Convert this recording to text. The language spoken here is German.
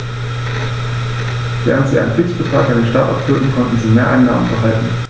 Während sie einen Fixbetrag an den Staat abführten, konnten sie Mehreinnahmen behalten.